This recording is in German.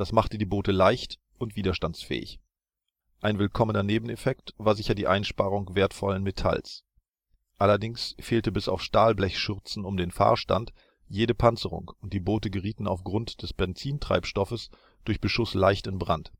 machte die Boote leicht, und widerstandsfähig. Ein willkommener Nebeneffekt war sicher die Einsparung wertvollen Metalls. Allerdings fehlte bis auf Stahlblechschürzen um den Fahrstand jede Panzerung und die Boote gerieten aufgrund des Benzintreibstoffes durch Beschuss leicht in Brand